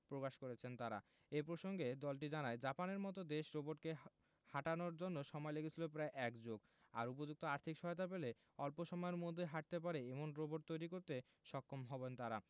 প্রকাশ করেছেন তারা এ প্রসঙ্গে দলটি জানায় জাপানের মতো দেশে রোবটকে হাঁটানোর জন্য সময় লেগেছিল প্রায় এক যুগ আর উপযুক্ত আর্থিক সহায়তা পেলে অল্প সময়ের মধ্যেই হাঁটতে পারে এমন রোবট তৈরি করতে সক্ষম হবেন তারা